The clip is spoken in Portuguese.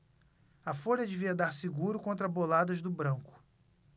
a folha devia dar seguro contra boladas do branco